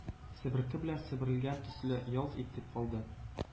Себерке белән себерелгән төсле, ялт итеп калды.